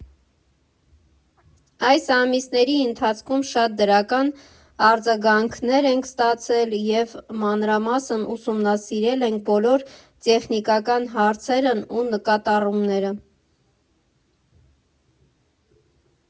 Այս ամիսների ընթացքում շատ դրական արձագանքներ ենք ստացել և մանրամասն ուսումնասիրել ենք բոլոր տեխնիկական հարցերն ու նկատառումները։